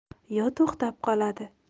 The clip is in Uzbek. yo to'xtab qoladi